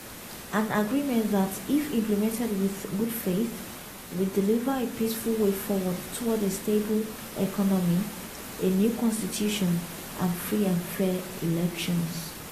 An agreement that if implemented with good faith, will deliver a peaceful way forward toward a stable economy, a new constitution and free and fair elections.